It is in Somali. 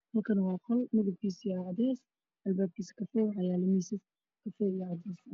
Halkan waa qol midbkis yahay cades albabkis kafey waxyalo miiss kafey io cades